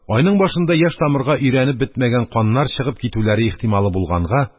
Айның башында яшь тамырга өйрәнеп бетмәгән каннар чыгып китүләре ихтималы булганга,